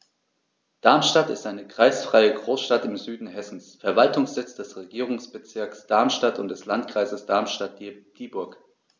Darmstadt ist eine kreisfreie Großstadt im Süden Hessens, Verwaltungssitz des Regierungsbezirks Darmstadt und des Landkreises Darmstadt-Dieburg.